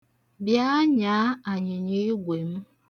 Bịa nyaa anyịnyiigwe m.